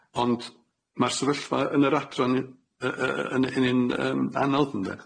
Ond ma'r sefyllfa yn yr adran yn un- yy yy yy yn yn un yym anodd, ynde.